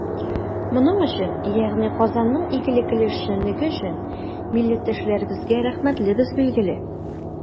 Моның өчен, ягъни Казанның игелекле эшчәнлеге өчен, милләттәшләребезгә рәхмәтлебез, билгеле.